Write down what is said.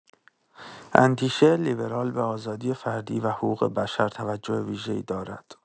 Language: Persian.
اندیشه لیبرال به آزادی فردی و حقوق‌بشر توجه ویژه‌ای دارد.